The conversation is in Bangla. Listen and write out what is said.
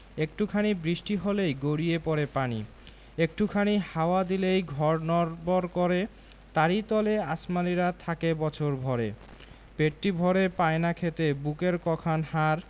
একটু খানি বৃষ্টি হলেই গড়িয়ে পড়ে পানি একটু খানি হাওয়া দিলেই ঘর নড়বড় করে তারি তলে আসমানীরা থাকে বছর ভরে পেটটি ভরে পায় না খেতে বুকের ক খান হাড়